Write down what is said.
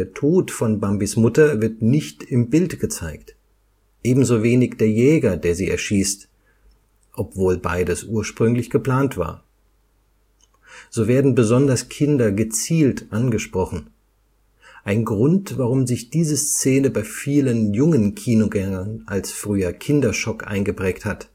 Tod von Bambis Mutter wird nicht im Bild gezeigt, ebenso wenig der Jäger, der sie erschießt, obwohl beides ursprünglich geplant war. So werden besonders Kinder gezielt angesprochen – ein Grund, warum sich diese Szene bei vielen jungen Kinogängern als früher „ Kinderschock “eingeprägt hat